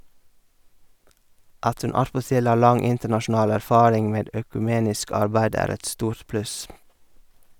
At hun attpåtil har lang internasjonal erfaring med økumenisk arbeid er et stort pluss.